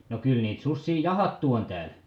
no kyllä niitä susia jahdattu on täällä